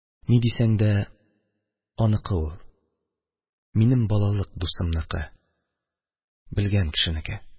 Ни дисәң дә, аныкы ул, минем балалык дусымныкы... белгән кешенеке.